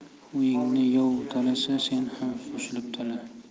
uyingni yov talasa sen ham qo'shilib tala